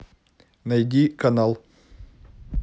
найди канал